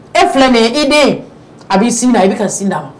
E filɛ min ye e den a b'i sinda i bɛ ka sinda